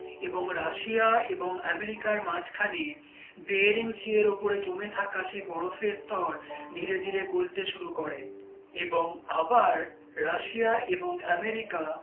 এবং রাশিয়া এবং এমেরিকার মাঝখানে বেরিং সির উপরে জমে থাকা সেই বরফের স্তর ধীরে ধীরে গলতে শুরু করে এবং আবার রাশিয়া এবং এমেরিকা